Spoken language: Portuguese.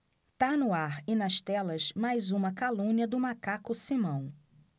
tá no ar e nas telas mais uma calúnia do macaco simão